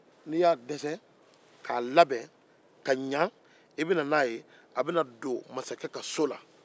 n'i y'a dɛsɛ i bɛ na n'a ye k'a don masakɛ ka da la